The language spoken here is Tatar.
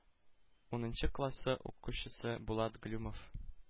Унынчы классы укучысы булат глюмов,